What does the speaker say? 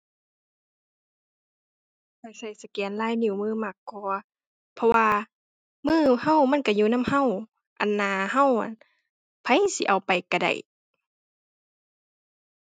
ค่อยใช้สแกนลายนิ้วมือมากกว่า เพราะว่ามือเรามันเราอยู่นำเรา อั่น หน้าเราน่ะ ไผสิเอาไปเราได้